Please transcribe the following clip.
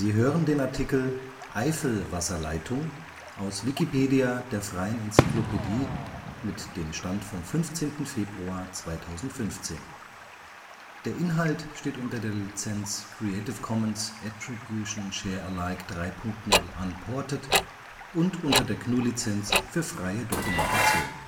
hören den Artikel Eifelwasserleitung, aus Wikipedia, der freien Enzyklopädie. Mit dem Stand vom Der Inhalt steht unter der Lizenz Creative Commons Attribution Share Alike 3 Punkt 0 Unported und unter der GNU Lizenz für freie Dokumentation